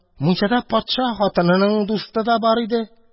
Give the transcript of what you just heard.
Мунчадан патша хатынының дусты да бар иде.